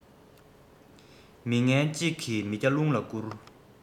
མི ངན གཅིག གིས མི བརྒྱ རླུང ལ བསྐུར